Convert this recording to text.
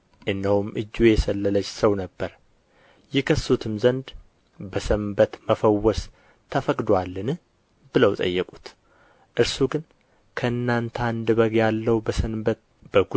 እነሆም እጁ የሰለለች ሰው ነበረ ይከሱትም ዘንድ በሰንበት መፈወስ ተፈቅዶአልን ብለው ጠየቁት እርሱ ግን ከእናንተ አንድ በግ ያለው በሰንበት